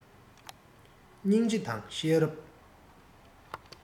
སྙིང རྗེ དང ཤེས རབ